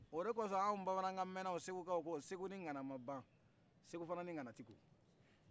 o de kɔsɔ an bamanankan mɛnaw ko segukaw ko segu ni ngana ma ban segu fana ni ngana